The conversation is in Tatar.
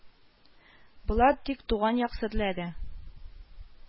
Болар тик туган як серләре